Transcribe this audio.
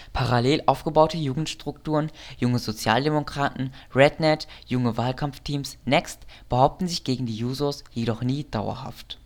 Parallel aufgebaute Jugendstrukturen (Junge Sozialdemokraten, RedNet, junge Wahlkampfteams, NEXT) behaupten sich gegen die Jusos jedoch nie dauerhaft